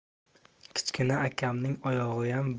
kichkina akamning oyog'iyam